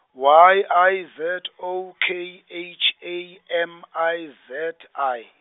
Y I Z O K H A M I Z I.